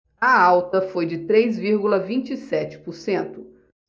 a alta foi de três vírgula vinte e sete por cento